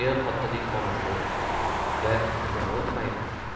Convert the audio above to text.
er xotinning orasida nima o'tmaydi